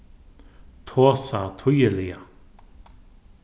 tosa týðiliga